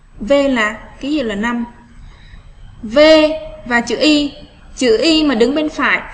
vn là v và chữ y chữ y mà đứng bên phải